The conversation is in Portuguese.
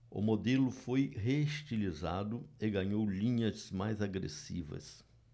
o modelo foi reestilizado e ganhou linhas mais agressivas